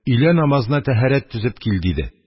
«өйлә намазына тәһарәт төзеп кил», – диде.